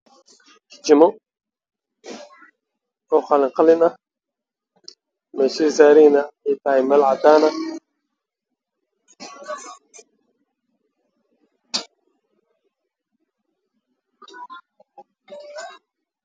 Waa labo katinad oo dahab ah